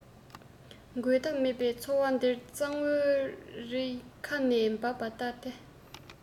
རྒོལ ཐབས མེད པའི ཚོར བ དེ གཙང བོ རི ཁ ནས འབབ པ ལྟར རེད